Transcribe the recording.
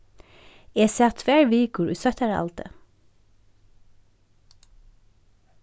eg sat tvær vikur í sóttarhaldi